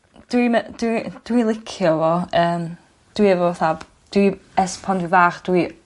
Dwi me- dwi dwi licio fo yym dwi efo fatha dwi e's pan dwi fach dwi